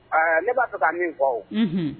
Ne b'a fɛ' min kɔ